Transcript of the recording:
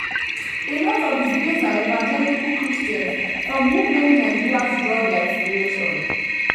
A lot of his base are evangelical Christians, from whom many Nigerians draw their inspiration.